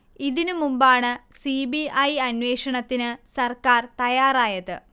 ഇതിന് മുമ്പാണ് C B I അന്വേഷണത്തിന് സർക്കാർ തയ്യാറായത്